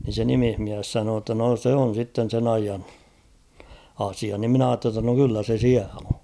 niin se nimismies sanoi jotta no se on sitten sen ajan asia niin minä ajattelin jotta no kyllä se siellä on